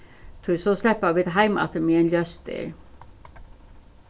tí so sleppa vit heim aftur meðan ljóst er